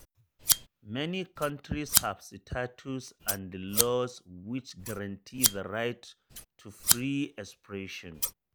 Many countries have statutes and laws which guarantee the right to free expression.